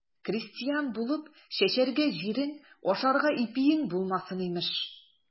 Крестьян булып, чәчәргә җирең, ашарга ипиең булмасын, имеш.